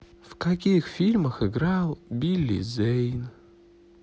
в каких фильмах играл билли зейн